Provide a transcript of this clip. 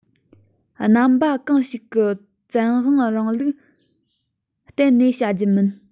རྣམ པ གང ཞིག གི བཙན དབང རིང ལུགས གཏན ནས བྱ རྒྱུ མིན